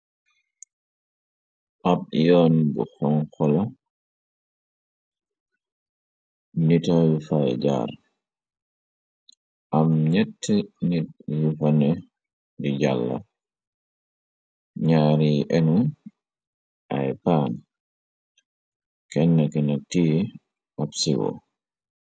Ab yoon bu xonxola nitayu faay jaar am nett nit yu fane di jàll naar yi inu ay paan kenn kina tii ab siwo.